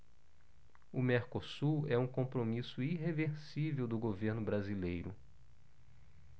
o mercosul é um compromisso irreversível do governo brasileiro